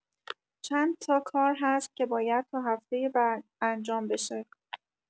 چندتا کار هست که باید تا هفتۀ بعد انجام بشه.